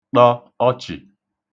tọ ọchị